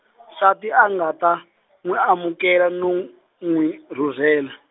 nsati a nga ta, n'wi amukela no, n'wi, rhurhela.